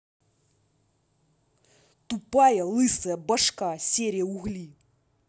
тупая лысая башка серия угли